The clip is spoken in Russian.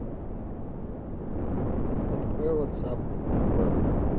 открой whatsapp web